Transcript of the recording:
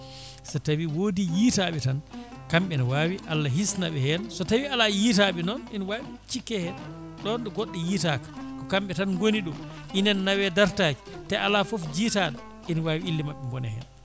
so tawi woodi yiitaɓe tan kamɓe ne wawi Allah hisanaɓe hen so tawi ala yiitaɓe noon ena ɓe cikke hen ɗon ɗo goɗɗo yiitaka ko kamɓe tan gooni ɗo ina naawe dartaki te ala foof jiitaɗo ina wawi ille mabɓɓe boona hen